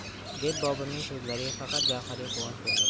deb boburning so'zlariga faqat javhariy quvonch bildirdi